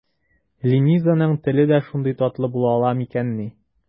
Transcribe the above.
Ленизаның теле дә шундый татлы була ала микәнни?